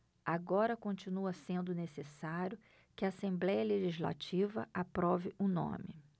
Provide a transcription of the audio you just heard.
agora continua sendo necessário que a assembléia legislativa aprove o nome